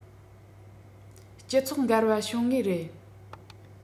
སྤྱི ཚོགས འགལ བ བྱུང ངེས རེད